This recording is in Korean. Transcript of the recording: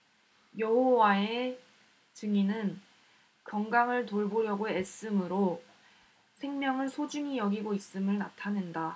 여호와의 증인은 건강을 돌보려고 애씀으로 생명을 소중히 여기고 있음을 나타낸다